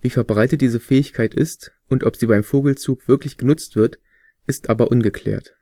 verbreitet diese Fähigkeit ist und ob sie beim Vogelzug wirklich genutzt wird, ist aber ungeklärt